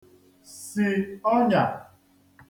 sì ọnyà